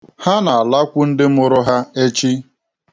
Ha na-alakwu ndị mụrụ ha echi.